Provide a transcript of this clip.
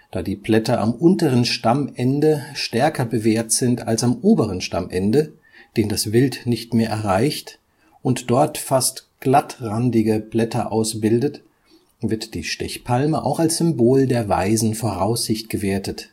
Da die Blätter am unteren Stammende stärker bewehrt sind als am oberen Stammende, den das Wild nicht mehr erreicht, und dort fast glattrandige Blätter ausbildet, wird die Stechpalme auch als Symbol der weisen Voraussicht gewertet